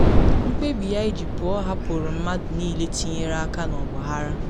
Mkpebi ya iji pụọ hapụrụ mmadụ niile tinyere aka n’ọgbaghara.